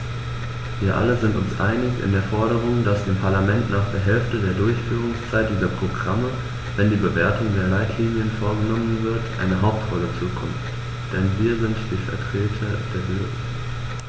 Wir alle sind uns einig in der Forderung, dass dem Parlament nach der Hälfte der Durchführungszeit dieser Programme, wenn die Bewertung der Leitlinien vorgenommen wird, eine Hauptrolle zukommt, denn wir sind die Vertreter der Bürger.